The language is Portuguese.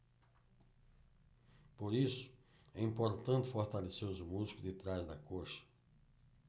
por isso é importante fortalecer os músculos de trás da coxa